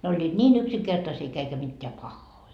ne olivat niin yksinkertaisia eikä mitään pahoja